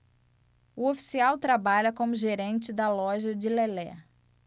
o oficial trabalha como gerente da loja de lelé